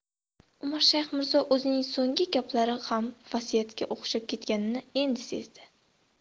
umarshayx mirzo o'zining so'nggi gaplari ham vasiyatga o'xshab ketganini endi sezdi